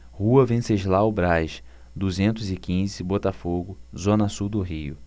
rua venceslau braz duzentos e quinze botafogo zona sul do rio